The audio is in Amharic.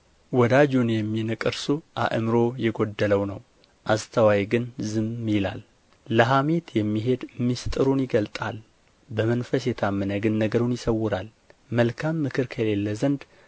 ወዳጁን የሚንቅ እርሱ አእምሮ የጐደለው ነው አስተዋይ ግን ዝም ይላል ለሐሜት የሚሄድ ምሥጢሩን ይገልጣል በመንፈስ የታመነ ግን ነገሩን ይሰውራል መልካም ምክር ከሌለ ዘንድ